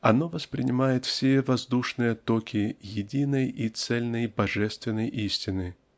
оно воспринимает все воздушные токи единой и целой Божественной истины.